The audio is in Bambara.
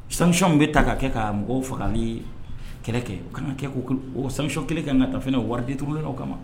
Sanction min bɛ ta ka kɛ ka mɔgɔw fagali kɛlɛ kɛ o kan ka kɛ ko o sanction kelen kan ka ta fana o wari détourné law kama